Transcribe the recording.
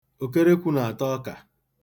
Okerekwu na-ata ọka.